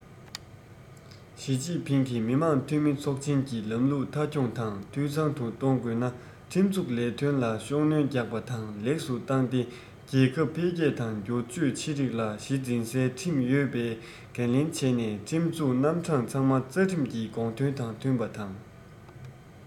ཞིས ཅིན ཕིང གིས མི དམངས འཐུས མི ཚོགས ཆེན གྱི ལམ ལུགས མཐའ འཁྱོངས དང འཐུས ཚང དུ གཏོང དགོས ན ཁྲིམས འཛུགས ལས དོན ལ ཤུགས སྣོན རྒྱག པ དང ལེགས སུ བཏང སྟེ རྒྱལ ཁབ འཕེལ རྒྱས དང སྒྱུར བཅོས ཆེ རིགས ལ གཞི འཛིན སའི ཁྲིམས ཡོད པའི འགན ལེན བྱས ནས ཁྲིམས འཛུགས རྣམ གྲངས ཚང མ རྩ ཁྲིམས ཀྱི དགོངས དོན དང མཐུན པ དང